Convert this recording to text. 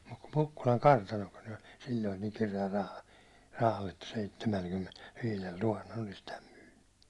mutta kun Mukkulan kartanokin oli silloin niin kireällä - rahalla että seitsemälläkymmenelläviidellä tuhannella olisi tämän myynyt